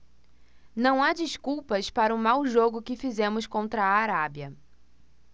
não há desculpas para o mau jogo que fizemos contra a arábia